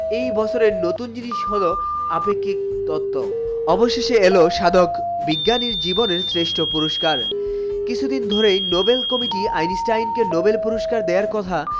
এই বছরের নতুন জিনিস হলো আপেক্ষিক তত্ত্ব অবশেষে এলো সাধক বিজ্ঞানীর জীবনের শ্রেষ্ঠ পুরস্কার নোবেল কমিটি আইনস্টাইনকে নোবেল পুরস্কার দেয়ার কথা